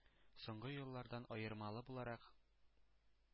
Соңгы еллардан аермалы буларак,